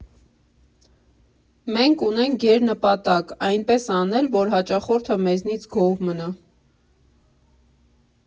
Մենք ունենք գերնպատակ՝ այնպես անել, որ հաճախորդը մեզնից գոհ մնա։